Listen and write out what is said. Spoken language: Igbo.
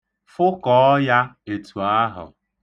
Fụkọọ ya etu ahụ.